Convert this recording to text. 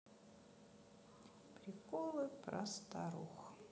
приколы про старух